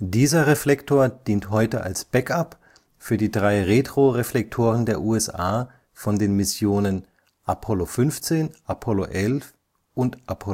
Dieser Reflektor dient heute als Backup für die drei Retroreflektoren der USA von den Missionen (der Priorität nach geordnet) Apollo 15, 11 und 14. Der